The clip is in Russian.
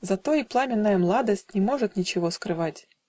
Зато и пламенная младость Не может ничего скрывать.